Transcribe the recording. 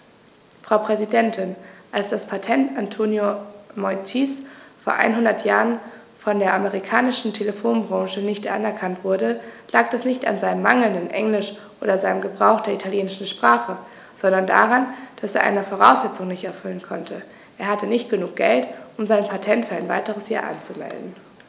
Frau Präsidentin, als das Patent Antonio Meuccis vor einhundert Jahren von der amerikanischen Telefonbranche nicht anerkannt wurde, lag das nicht an seinem mangelnden Englisch oder seinem Gebrauch der italienischen Sprache, sondern daran, dass er eine Voraussetzung nicht erfüllen konnte: Er hatte nicht genug Geld, um sein Patent für ein weiteres Jahr anzumelden.